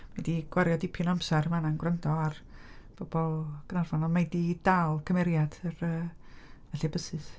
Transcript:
Mae hi 'di gwario dipyn o amser yn fan'na yn gwrando ar bobl Caernarfon, ond mae hi di dal cymeriad yr yy y lle bysys.